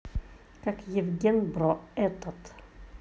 как евген бро этот